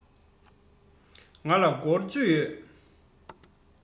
ང ལ སྒོར བཅུ ཡོད